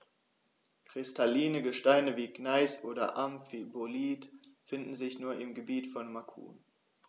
Kristalline Gesteine wie Gneis oder Amphibolit finden sich nur im Gebiet von Macun.